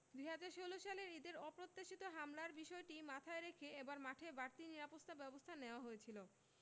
২০১৬ সালের ঈদের অপ্রত্যাশিত হামলার বিষয়টি মাথায় রেখে এবার মাঠে বাড়তি নিরাপস্থাব্যবস্থা নেওয়া হয়েছিল